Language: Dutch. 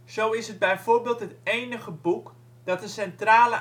Zo is het bijvoorbeeld het enige boek dat